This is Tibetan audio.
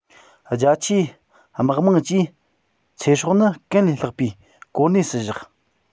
རྒྱ ཆེའི དམག དམངས ཀྱིས མི སྲོག ནི ཀུན ལས ལྷག པའི གོ གནས སུ བཞག